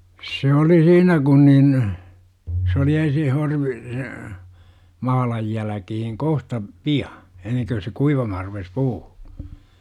se oli siinä kun niin se oli ensin - se mahlan jälkeen kohta pian ennen kun se kuivamaan rupesi puu